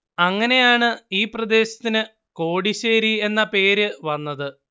അങ്ങനെയാണ് ഈ പ്രദേശത്തിന് കോടിശ്ശേരി എന്ന പേര് വന്നത്